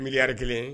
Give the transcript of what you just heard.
Miiriri kelen